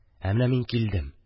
– ә менә мин килдем...